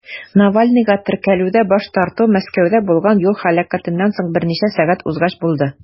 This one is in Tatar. Навальныйга теркәлүдә баш тарту Мәскәүдә булган юл һәлакәтеннән соң берничә сәгать узгач булды.